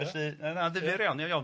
Felly na na ddifyr iawn dif' iawn.